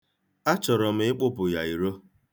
Achọrọ m ịkpụpụ ya iro.